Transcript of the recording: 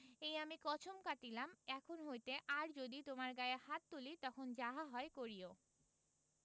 এই আমি কছম কাটিলাম এখন হইতে আর যদি তোমার গায়ে হাত তুলি তখন যাহা হয় করিও